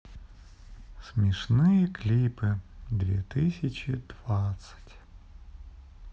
смешные клипы две тысячи двадцать